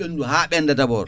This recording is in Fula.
ɓendu ha ɓenda d' abord